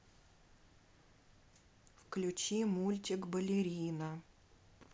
включи мультик балерина